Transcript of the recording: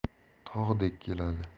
tog'dek keladi